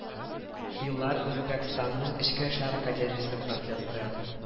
Еллар үзбәкстанның эчке эшләр академиясе профессоры